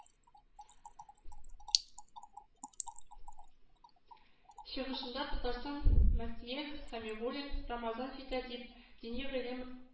Чыгышында Татарстан мөфтие Сәмигуллин, Рамазан җитә, дип, дини гыйлем